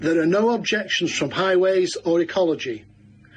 There are no objections from Highways or Ecology.